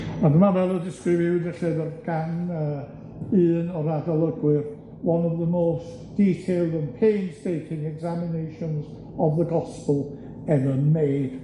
A dyma fel y disgrifiwyd y llyf'r gan yy un o'r adolygwyr, one of the most detailed and painstaking examinations of the gospel ever made.